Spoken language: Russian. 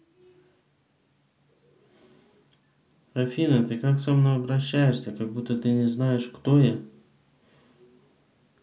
афина ты так со мной обращаешься как будто знаешь кто я